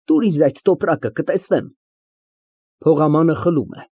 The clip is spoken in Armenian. Տուր ինձ այդ տոպրակը, կտեսնեմ։ (Փողամանը խլում է)։